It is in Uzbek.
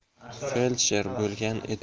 feldsher bo'lgan edi